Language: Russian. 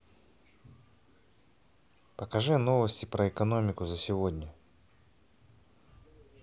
покажи новости про экономику за сегодня